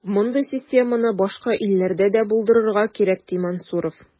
Мондый системаны башка илләрдә дә булдырырга кирәк, ди Мансуров.